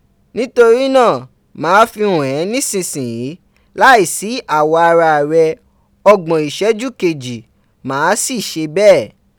Nítorí náà, màá fi hàn ẹ́ nísinsìnyí, láìsí awọ ara rẹ̀, ọgbọ̀n ìṣẹ́jú kejì, màá sì ṣe bẹ́ẹ̀.